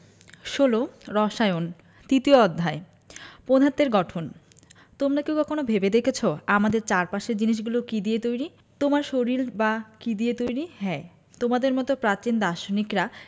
১৬ রসায়ন তিতীয় অধ্যায় পদার্থের গঠন তোমরা কি কখনো ভেবে দেখেছ আমাদের চারপাশের জিনিসগুলো কী দিয়ে তৈরি তোমার শরীর বা কী দিয়ে তৈরি হ্যাঁ তোমাদের মতো প্রাচীন দার্শনিকরা